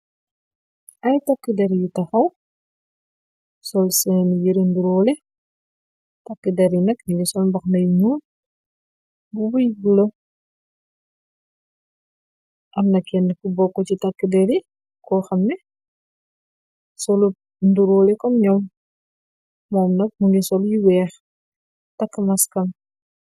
Ay takk der yu taxaw sol sheeni yere nduroole, takk der yi nag ñingi sol mbaxana yu ñuul, mbubu yu bula, am na kenne ku bokk ci tàkk der yi, ko xamme solut nduróole kom ñoom, moom nag mu ngi sol yu weex takk maskam.